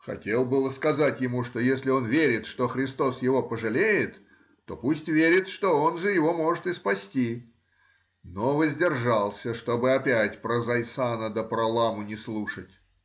Хотел было сказать ему, что если он верит, что Христос его пожалеет, то пусть верит, что он же его может и спасти,— но воздержался, чтобы опять про зайсана да про ламу не слушать.